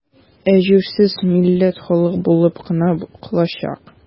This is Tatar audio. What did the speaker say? Ә җирсез милләт халык булып кына калачак.